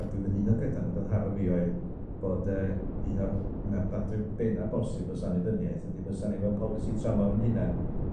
a dwi'n un o'r o'dd yn nhara fi oedd bod yy un o'r 'na'r dadle bena bosib dros annibyniaeth ydi fysan ni efo'n polisi tramor 'yn hunan.